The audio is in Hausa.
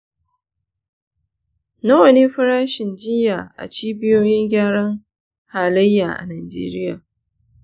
nawa ne farashin jiyya a cibiyoyin gyaran halayya a najeriya?